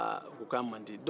u ko k'a man di